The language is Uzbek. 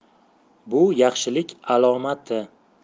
bu yaxshilik alomati